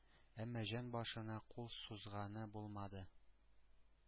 Әмма җан башына кул сузганы булмады.